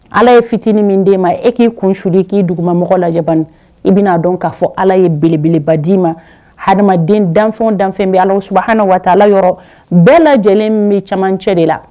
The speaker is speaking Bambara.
Ala ye fitinin min d'e ma, e k'i kun suuli i k'i duguma mɔgɔw lajɛ bani, i bɛ n'a dɔn k'a fɔ ala ye belebeleba d'i ma; adamaden danfɛn o danfɛn bɛ alahu subehana wata ala yɔrɔ, bɛɛ lajɛlen bɛ cɛmancɛ de la.